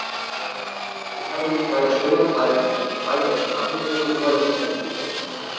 Ich habe mich meiner Stimme enthalten, weil die Frage der Sprachenregelung immer noch nicht ganz geklärt ist.